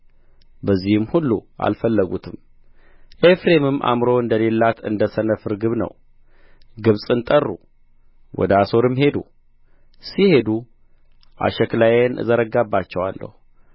በዚህም ሁሉ አልፈለጉትም ኤፍሬምም አእምሮ እንደሌላት እንደ ሰነፍ ርግብ ነው ግብጽን ጠሩ ወደ አሦርም ሄዱ ሲሄዱ አሽክላዬን አዘረጋባቸዋለሁ